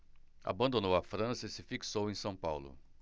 abandonou a frança e se fixou em são paulo